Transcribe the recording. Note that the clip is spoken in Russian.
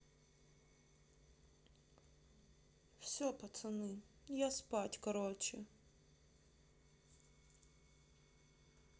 все пацаны я спать короче